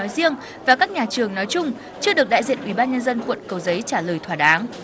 nói riêng và các nhà trường nói chung chưa được đại diện ủy ban nhân dân quận cầu giấy trả lời thỏa đáng